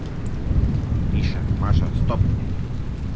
миша маша стоп